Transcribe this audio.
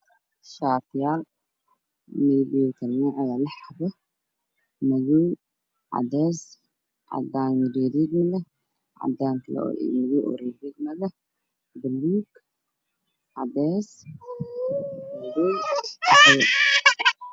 Waa shaatiyaal kala nuuc ah oo lix xabo ah madow cadeys iyo cadaan, gaduud.